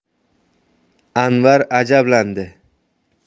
anvar ajablandi